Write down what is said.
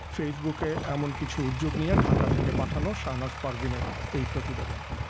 ফেসবুকে এমন কিছু উদ্যোগ নিয়ে ঢাকা থেকে পাঠানো শাহনাজ পারভীন এর এ প্রতিবেদন